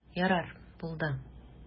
Ярар, булды.